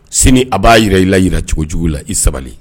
Sini a b'a jira i la jirara cogo jugu la i sabali